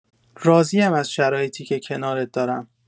راضی‌ام از شرایطی که کنارت دارم.